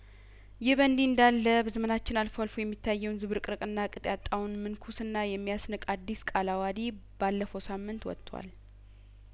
ይህ በእንዲህ እንዱ ለበዘመናችን አልፎ አልፎ የሚታየውን ዝብርቅርቅና ቅጥ ያጣውን ምንኩስና የሚያስንቅ አዲስ ቃለአዋዲ ባለፈው ሳምንት ወጥቷል